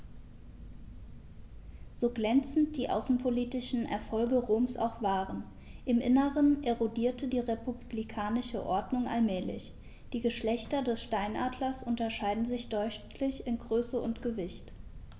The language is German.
So glänzend die außenpolitischen Erfolge Roms auch waren: Im Inneren erodierte die republikanische Ordnung allmählich. Die Geschlechter des Steinadlers unterscheiden sich deutlich in Größe und Gewicht.